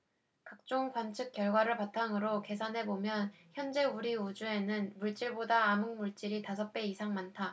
각종 관측 결과를 바탕으로 계산해 보면 현재 우리 우주에는 물질보다 암흑물질이 다섯 배 이상 많다